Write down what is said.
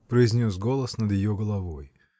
— произнес голос над ее головой.